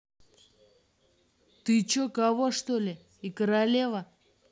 ты че кого что ли и королева